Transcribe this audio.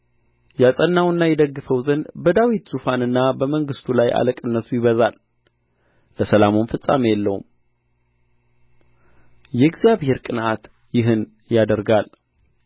ያጸናውና ይደግፈው ዘንድ በዳዊት ዙፋንና በመንግሥቱ ላይ አለቅነቱ ይበዛል ለሰላሙም ፍፃሜ የለውም የእግዚአብሔር ቅንዓት ይህን ያደርጋል